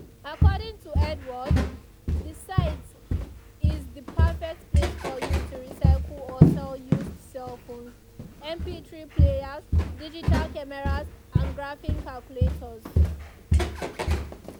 According to Edward, the site “is the perfect place for you to recycle or sell used cell phones, mp3 players, digital cameras and graphing calculators.